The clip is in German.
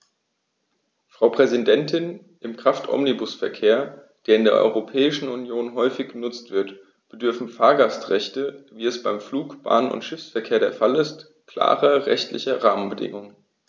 Frau Präsidentin, im Kraftomnibusverkehr, der in der Europäischen Union häufig genutzt wird, bedürfen Fahrgastrechte, wie es beim Flug-, Bahn- und Schiffsverkehr der Fall ist, klarer rechtlicher Rahmenbedingungen.